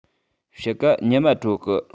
དཔྱིད ཀ ཉི མོ དྲོ གི